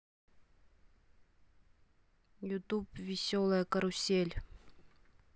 ютуб веселая карусель